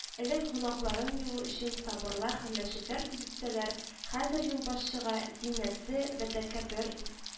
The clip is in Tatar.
Элек гөнаһларын юу өчен соборлар һәм мәчетләр төзетсәләр, хәзер юлбашчыга зиннәтле вә тәкәбер ф